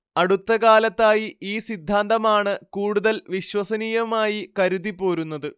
അടുത്ത കാലത്തായി ഈ സിദ്ധാന്തമാണ് കൂടുതൽ വിശ്വസനീയമായി കരുതിപ്പോരുന്നത്‌